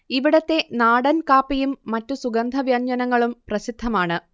ഇവിടത്തെ നാടൻ കാപ്പിയും മറ്റു സുഗന്ധവ്യഞ്ജനങ്ങളും പ്രസിദ്ധമാണ്